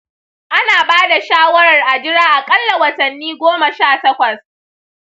ana ba da shawarar a jira aƙalla watanni goma sha takwas.